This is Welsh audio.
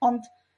ond